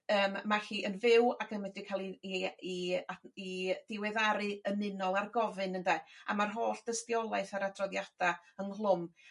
yym ma' hi yn fyw ac yn mynd i ca'l 'i 'i a 'i diweddaru yn unol ar gofyn ynde? A ma'r holl dystiolaeth yr adroddiada ynghlwm.